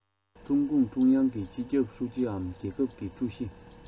ཀྲུང གུང ཀྲུང དབྱང གི སྤྱི ཁྱབ ཧྲུའུ ཅིའམ རྒྱལ ཁབ ཀྱི ཀྲུའུ ཞི